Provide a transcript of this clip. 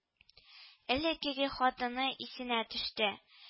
Элеккеге хатыны исенә төште